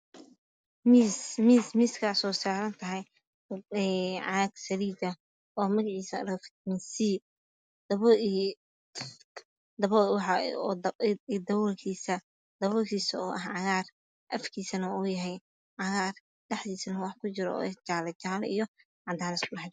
Miis Miiskaasoo saarantahay caag saliid ah oo magiciisa la dhoho fitamiin sii iyo dabool kiisa daboolkiisa oo ah cagaar